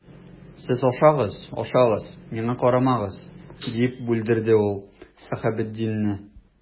Сез ашагыз, аша, миңа карамагыз,— дип бүлдерде ул Сәхәбетдинне.